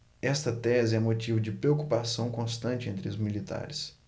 esta tese é motivo de preocupação constante entre os militares